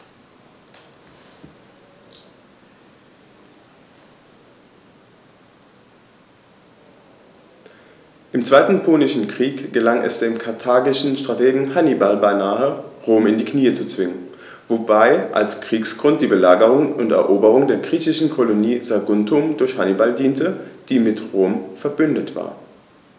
Im Zweiten Punischen Krieg gelang es dem karthagischen Strategen Hannibal beinahe, Rom in die Knie zu zwingen, wobei als Kriegsgrund die Belagerung und Eroberung der griechischen Kolonie Saguntum durch Hannibal diente, die mit Rom „verbündet“ war.